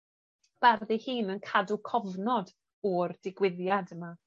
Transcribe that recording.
bardd ei hun yn cadw cofnod o'r digwyddiad yma.